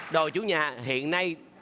đội chủ nhà hiện nay